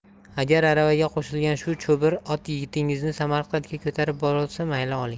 agar aravaga qo'shilgan shu cho'bir ot yigitingizni samarqandga ko'tarib borolsa mayli oling